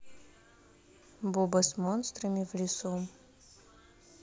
буба с монстрами в лесу